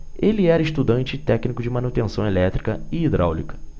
ele era estudante e técnico de manutenção elétrica e hidráulica